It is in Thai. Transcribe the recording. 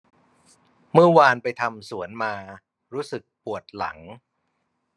เมื่อวานไปทำสวนมารู้สึกปวดหลัง